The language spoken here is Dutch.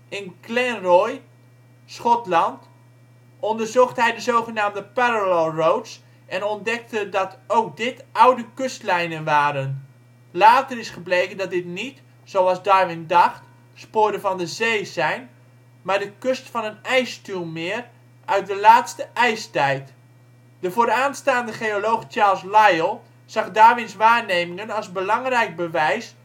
In Glen Roy (Schotland) onderzocht hij de zogenaamde Parallel Roads en ontdekte dat ook dit oude kustlijnen waren. Later is gebleken dat dit niet, zoals Darwin dacht, sporen van de zee zijn maar de kust van een ijsstuwmeer uit de laatste ijstijd. De vooraanstaande geoloog Charles Lyell zag Darwins waarnemingen als belangrijk bewijs